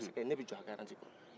masakɛ ne bɛ jɔ a garati kɔrɔ